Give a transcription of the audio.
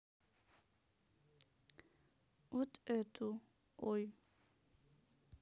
вот эту ой